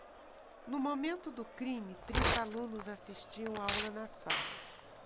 no momento do crime trinta alunos assistiam aula na sala